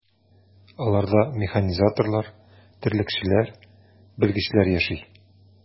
Аларда механизаторлар, терлекчеләр, белгечләр яши.